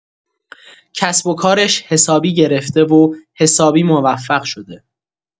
کسب و کارش حسابی گرفته و حسابی موفق شده.